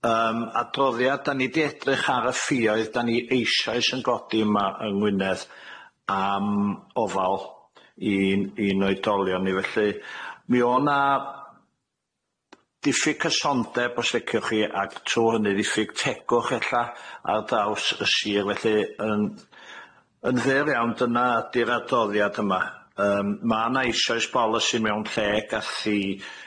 yym adroddiad 'da ni 'di edrych ar y ffïoedd 'da ni eishoes yn godi yma yng Ngwynedd am ofal i'n i'n oedolion ni felly mi o' 'na diffyg cysondeb os liciwch chi ag trw hynny diffyg tegwch ella ar draws y sir felly yn yn fyr iawn dyna ydi'r adroddiad yma yym ma' 'na eishoes bolisi mewn lle ga'th 'i